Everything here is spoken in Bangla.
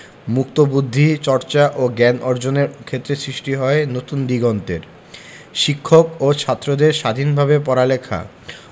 মুক্তবুদ্ধি চর্চা ও জ্ঞান অর্জনের ক্ষেত্রে সৃষ্টি হয় নতুন দিগন্তের শিক্ষক ও ছাত্রদের স্বাধীনভাবে পড়ালেখা